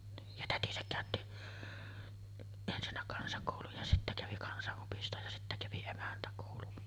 niin ja tätinsä käytti ensinnä kansakoulun ja sitten kävi kansaopiston ja sitten kävi emäntäkoulun